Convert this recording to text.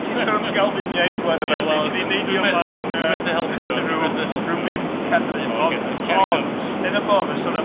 Ti'n sôn am Galfiniaeth rwan aballu Ond yn y bôn mae'n sôn am...